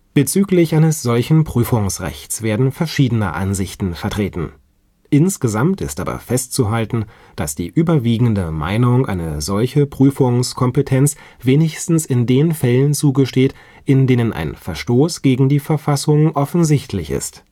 Bezüglich eines solchen Prüfungsrechts werden verschiedene Ansichten vertreten. Insgesamt ist aber festzuhalten, dass die überwiegende Meinung eine solche Prüfungskompetenz wenigstens in den Fällen zugesteht, in denen ein Verstoß gegen die Verfassung offensichtlich ist